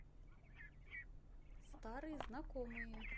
старые знакомые